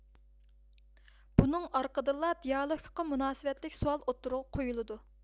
بۇنىڭ ئارقىدىنلا دىئالوگقا مۇناسىۋەتلىك سوئال ئوتتۇرىغا قويۇلىدۇ